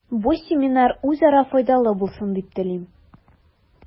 Бу семинар үзара файдалы булсын дип телим.